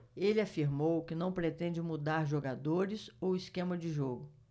ele afirmou que não pretende mudar jogadores ou esquema de jogo